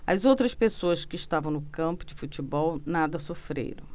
as outras pessoas que estavam no campo de futebol nada sofreram